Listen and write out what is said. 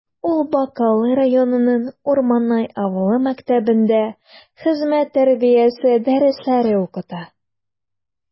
Ул Бакалы районының Урманай авылы мәктәбендә хезмәт тәрбиясе дәресләре укыта.